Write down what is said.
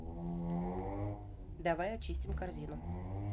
давай очистим корзину